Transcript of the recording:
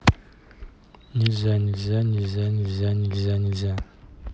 нельзя нельзя нельзя нельзя нельзя